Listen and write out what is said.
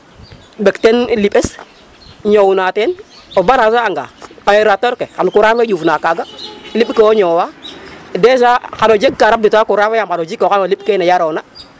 ɓek teen liƥes ñowna teen o brancher a nga aérateur ke xan courant na ƴufna kaaga liƥ ke wo ñoowa déjà xay o jeg ka rabdita courant yaam xay o jikooxa no liƥ kene yaroona.